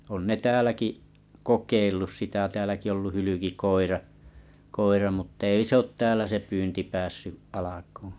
on ne täälläkin kokeillut sitä on täälläkin ollut hylkikoira koira mutta ei se ole täällä se pyynti päässyt alkuun